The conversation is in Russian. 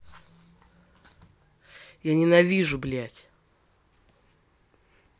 я ненавижу блять